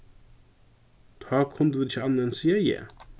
tá kundu vit ikki annað enn at siga ja